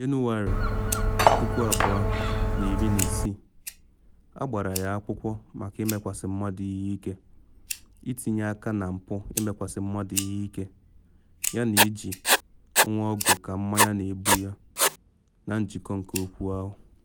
Na Jenụwarị 2016 agbara ya akwụkwọ maka ịmekwasị mmadụ ihe ike, itinye aka na mpụ ịmekwasị mmadụ ihe ihe, yana iji ngwaọgụ ka mmanya na egbu ya na njikọ nke okwu ahụ.